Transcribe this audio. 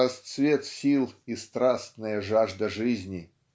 расцвет сил и страстная жажда жизни